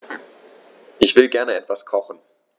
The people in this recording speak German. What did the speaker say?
Ich will gerne etwas kochen.